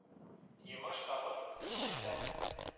Йомыш табып, кичен дә